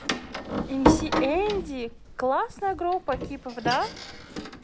mc энди классная группа кипов да